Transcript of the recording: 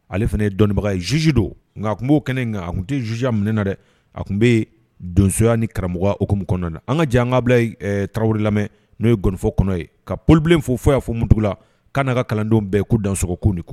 Ale fana ye dɔnnibaga juge don nka a tun b'o kɛnɛ in nka a tun t'o juge ya minɛ na dɛ, a tun bɛ donsoya ni karamɔgɔ hokumu kɔnɔna an ka jɛ an ka Abudulayi Tarawele lamɛn n'o ye gɔnifɔ kɔnɔ ye, ka Poli Bilen fo fɔ yan fo Mutukula k'a n'a ka kalandenw bɛɛ k'u dansɔkɔ k'u ni kɔ.